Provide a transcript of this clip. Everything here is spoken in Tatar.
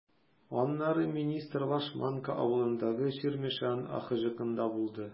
Аннары министр Лашманка авылындагы “Чирмешән” АХҖКында булды.